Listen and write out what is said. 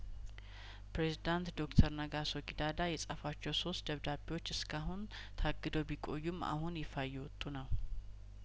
ፕሬዝዳንት ዶክተር ነጋሶ ጊዳዳ የጻፏቸው ሶስት ደብዳቤዎች እስካሁን ታግደው ቢቆዩም አሁን ይፋ እየወጡ ነው